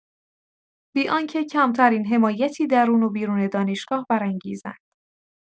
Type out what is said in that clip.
بی‌آنکه کمترین حمایتی درون و بیرون دانشگاه برانگیزد.